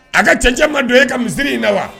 A ka cɛcɛ ma don e ka misisiri in na wa